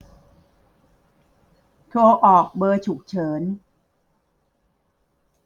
โทรออกเบอร์ฉุกเฉิน